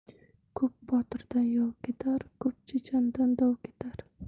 ko'p botirdan yov ketar ko'p chechandan dov ketar